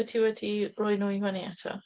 Wyt ti wedi roi nhw i fyny eto?